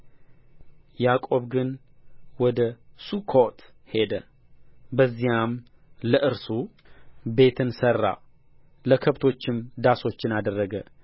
ያዕቆብ ግን ወደ ሱኮት ሄደ በዚያም ለእርሱ ቤትን ሠራ ለከብቶችም ዳሶችን አደረገ